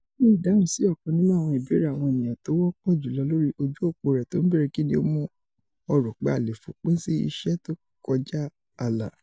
Ní ìdáhùn sí òkan nínú àwọn ìbéèrè àwọn ènìyàn tówọ́pọ̀ jùlọ lori ojú-òpó rẹ̀ tó ńbéèrè ''kínni ó mú ọ ropé a leè fòpin sí ìṣẹ́ tó kọjá àlà?''